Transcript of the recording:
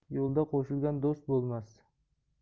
yo'lda qo'shilgan do'st bo'lmas